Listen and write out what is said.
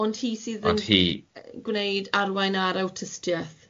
Na, ond hi sydd yn... Ond hi... gwneud arwain ar awtistieth.